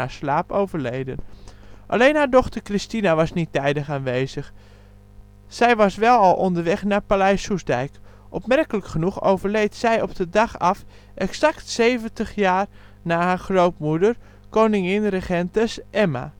slaap overleden. Alleen haar dochter Christina was niet tijdig aanwezig; zij was wel al onderweg naar paleis Soestdijk. Opmerkelijk genoeg overleed zij op de dag af exact zeventig jaar na haar grootmoeder, koningin-regentes Emma